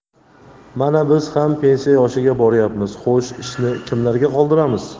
mana biz ham pensiya yoshiga boryapmiz xo'sh ishni kimlarga qoldiramiz